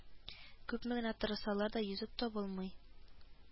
Күпме генә тырышсалар да йөзек табылмый